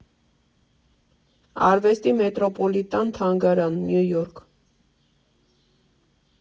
Արվեստի Մետրոպոլիտան թանգարան, Նյու Յորք։